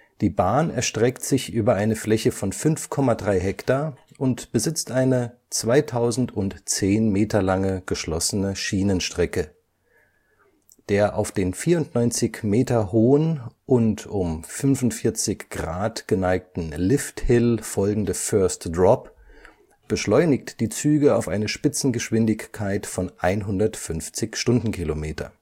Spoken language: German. Die Bahn erstreckt sich über eine Fläche von 5,3 Hektar und besitzt eine 2010 Meter lange geschlossene Schienenstrecke. Der auf den 94 Meter hohen und um 45 Grad geneigten Lifthill folgende First Drop beschleunigt die Züge auf eine Spitzengeschwindigkeit von 150 km/h